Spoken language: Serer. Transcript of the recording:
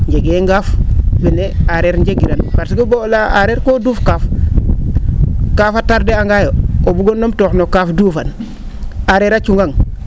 njegee ngaaf wene aareer njegiran parce que boo o layaa aareer koo duuf kaaf, kaaf a tarder angayo o bug o numtoox no kaaf ?uufan aareer a cungang